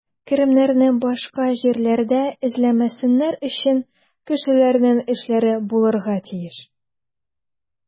Керемнәрне башка җирләрдә эзләмәсеннәр өчен, кешеләрнең эшләре булырга тиеш.